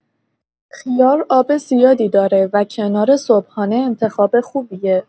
خیار آب زیادی داره و کنار صبحانه انتخاب خوبیه.